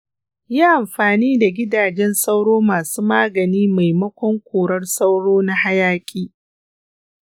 yi amfani da gidajen sauro masu magani maimakon korar sauro na hayaƙi.